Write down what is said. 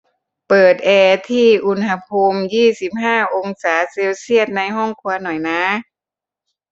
เปิดแอร์ที่อุณหภูมิยี่สิบห้าองศาเซลเซียสในห้องครัวหน่อยนะ